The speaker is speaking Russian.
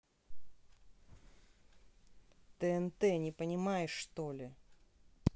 тнт не понимаешь что ли